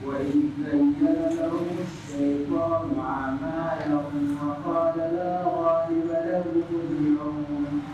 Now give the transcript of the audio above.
Wailɔ yo faama yo mɔ kun yo